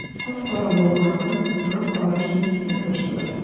Кап-кара булганга аңа карач дип исем куштылар.